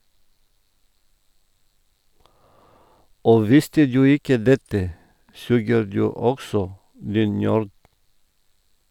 Og visste du ikke dette , suger du også , din nørd!